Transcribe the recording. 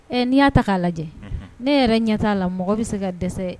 Ɛ n'i y'a ta k'a lajɛ ne yɛrɛ ɲɛ t' a la mɔgɔ bɛ se ka dɛsɛ